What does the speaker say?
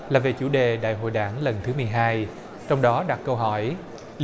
là về chủ đề đại hội đảng lần thứ mười hai trong đó đặt câu hỏi liệu